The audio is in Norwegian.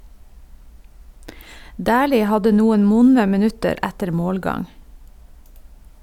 Dæhlie hadde noen vonde minutter etter målgang.